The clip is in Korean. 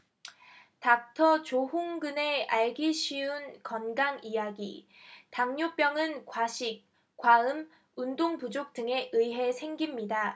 닥터 조홍근의 알기 쉬운 건강이야기 당뇨병은 과식 과음 운동부족 등에 의해 생깁니다